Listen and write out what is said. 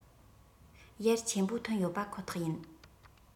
ཡར ཆེན པོ ཐོན ཡོད པ ཁོ ཐག ཡིན